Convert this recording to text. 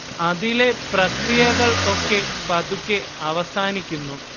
അതിലെ പ്രക്രിയകൾ ഒക്കെ പതുക്കെ അവസാനിക്കുന്നു